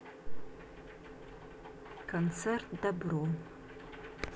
концерт добро